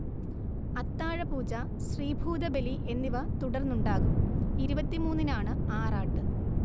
അത്താഴപൂജ, ശ്രീഭൂതബലി എന്നിവ തുടർന്നുണ്ടാകും ഇരുവത്തി മൂന്നിനാണ് ആറാട്ട്